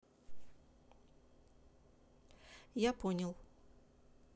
я понял